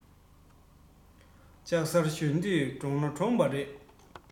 ལྕང གསར གཞོན དུས འདྲོངས ན འདྲོངས པ རེད